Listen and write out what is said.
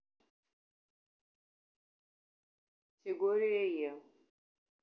категория е